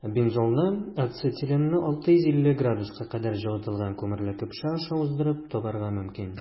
Бензолны ацетиленны 650 С кадәр җылытылган күмерле көпшә аша уздырып табарга мөмкин.